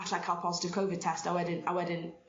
allai ca'l positive Covid test a wedyn a wedyn